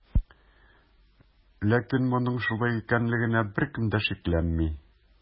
Ләкин моның шулай икәнлегенә беркем дә шикләнми.